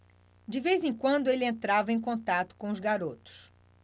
de vez em quando ele entrava em contato com os garotos